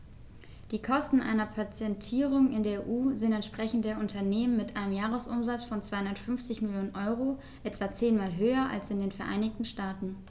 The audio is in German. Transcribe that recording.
Die Kosten einer Patentierung in der EU sind, entsprechend der Unternehmen mit einem Jahresumsatz von 250 Mio. EUR, etwa zehnmal höher als in den Vereinigten Staaten.